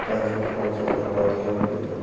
yo transport hodisasi oqibatida halok bo'ldi